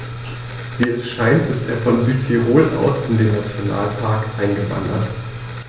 Wie es scheint, ist er von Südtirol aus in den Nationalpark eingewandert.